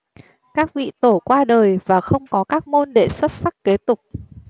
các vị tổ qua đời và không có các môn đệ xuất sắc kế tục